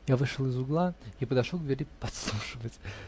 Я вышел из угла и подошел к двери подслушивать.